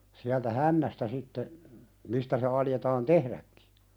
sieltä hännästä sitten mistä se aloitetaan tehdäkin